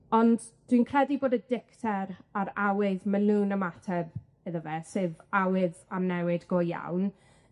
Ond dwi'n credu bod y dicter a'r awydd ma' nw'n ymateb iddo fe, sef awydd am newid go iawn